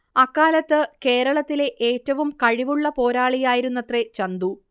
അക്കാലത്ത് കേരളത്തിലെ ഏറ്റവും കഴിവുള്ള പോരാളിയായിരുന്നത്രേ ചന്തു